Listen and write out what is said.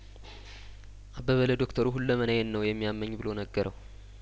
አበበ ለዶክተሩ ሁለመናዬን ነው የሚያመኝ ብሎ ነገረው